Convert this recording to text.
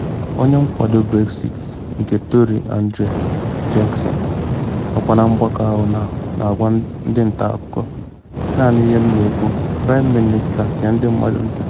Onye nkwado Brexit nke Tory Andrea Jenkyns nọkwa na mgbakọ ahụ, na agwa ndị nta akụkọ: ‘Naanị ihe m na ekwu: Praịm Minista, gee ndị mmadụ ntị.